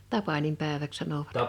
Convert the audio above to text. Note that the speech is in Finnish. tapaninpäiväksi sanoivat